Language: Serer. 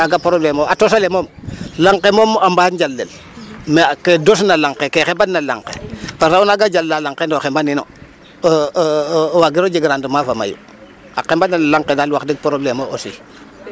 Kaaga problème a tos ale moom lang ke moom a mbaa njalel mais ke dosna lang ke ke xembanna lang ke parce que o nanga jalaa lang ke to xembanino e% waagiro jeg rendement fa mayu a qemban ale lang ke daal wax deg problème mo aussi.